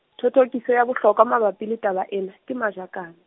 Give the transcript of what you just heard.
thothokiso ya bohlokwa mabapi le taba ena, ke majakane.